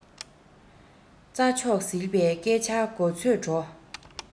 རྩ མཆོག ཟིལ པས སྐད ཆ གོ ཚོད འགྲོ